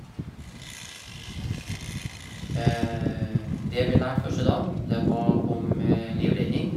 Det vi lærte første dagen, det var om livredning.